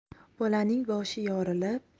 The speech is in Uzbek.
bolaning boshi yorilib